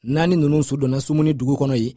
naani ninnu sudonna sumuni dugu kɔnɔ yen